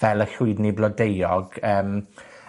fel y llwydni blodeuog. Yym.